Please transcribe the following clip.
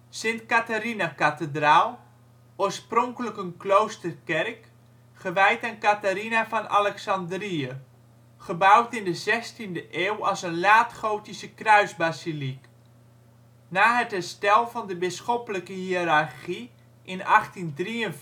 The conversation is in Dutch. Sint-Catharinakathedraal, oorspronkelijk een kloosterkerk, gewijd aan Catharina van Alexandrië. Gebouwd in de zestiende eeuw als een laat-gotische kruisbasiliek. Na het herstel van de bisschoppelijke hiërarchie in 1853